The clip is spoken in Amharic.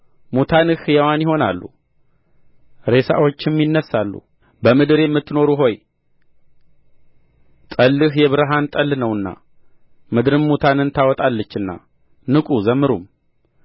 ሙታንህ ሕያዋን ይሆናሉ ሬሳዎችም ይነሣሉ በምድር የምትኖሩ ሆይ ጠልህ የብርሃን ጠል ነውና ምድርም ሙታንን ታወጣለችና ንቁ ዘምሩም